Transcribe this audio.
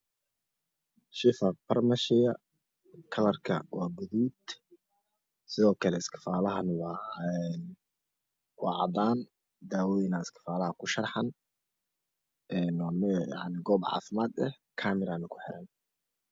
Shifa farmashiya kalarka waa guduud sidoo kale iskafaalaha waa een waa cadaan dawaooyinaa iskafaalaha ku sharxan een waa meel yacni goob caafimaad eh kamarana ku xeran